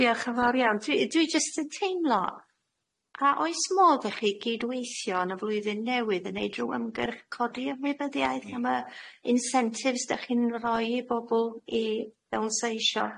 Diolch yn fawr iawn. Dwi dwi jyst yn teimlo, a oes modd i chi gydweithio yn y flwyddyn newydd yn neud ryw ymgyrch codi ymwybyddiaeth am y incentives dych chi'n roi i bobol i fewnseisio?